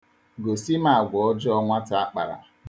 Gosi m agwa ọjọọ nwata a kpara.